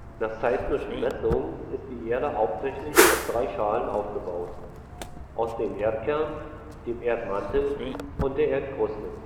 Nach seismischen Messungen ist die Erde hauptsächlich aus drei Schalen aufgebaut: aus dem Erdkern, dem Erdmantel und der Erdkruste